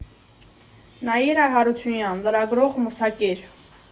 Նաիրա Հարությունյան, լրագրող, մսակեր։